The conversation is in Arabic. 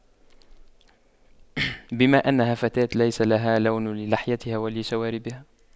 بما أنها فتاة ليس لها لون للحيتها ولشواربها